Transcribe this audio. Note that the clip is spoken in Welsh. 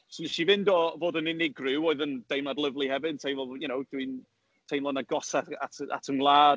So wnes i fynd o fod yn unigryw, oedd yn deimlad lyfli hefyd, yn teimlo you know, dwi'n teimlo'n agosach at at 'y ngwlad